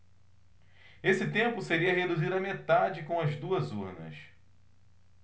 esse tempo seria reduzido à metade com as duas urnas